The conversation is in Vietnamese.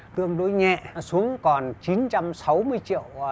tương đối nhẹ xuống còn chín trăm sáu mươi triệu